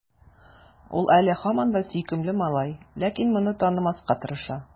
Ул әле һаман да сөйкемле малай, ләкин моны танымаска тырыша.